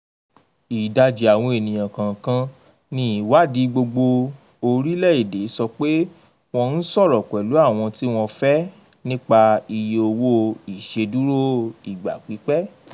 Ìdajì àwọn ènìyàn kọ̀ọ̀kan ni ìwáàdí gbogbo orílẹ̀-èdè sọ pé wọ́n ń sọ̀rọ̀ pẹ̀lú àwọn tí wọ́n fẹ́ nípa iye owó ìṣedúró ìgbà pípé.